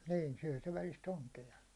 niin syö se välistä onkea